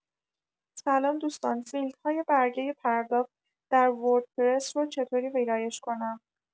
سلام دوستان فیلدهای برگه پرداخت در وردپرس رو چطوری ویرایش کنم؟